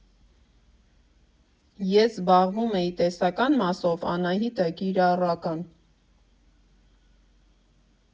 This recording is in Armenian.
«Ես զբաղվում էի տեսական մասով, Անահիտը՝ կիրառական։